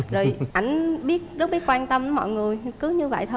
rồi anh biết rất biết quan tâm tới mọi người cứ như vậy